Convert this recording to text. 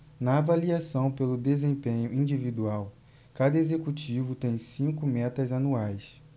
na avaliação pelo desempenho individual cada executivo tem cinco metas anuais